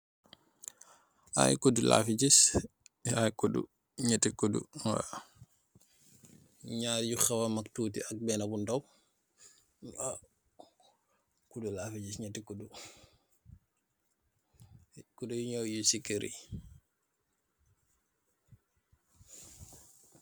Ay kudu laa fi gis, ay kudu. Ñieti kudu. Ñaar i xawa mac tuuti ak beenë bu ndaw. Kudu laa fi gis, ñieti kudu. Kudu yi ñuy yu si kër gi.